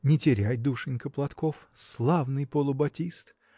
Не теряй, душенька, платков: славный полубатист!